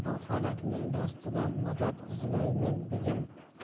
bu falakning dastidan najot izlaymen begim